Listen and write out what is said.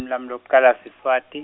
lwami lokucala Siswati.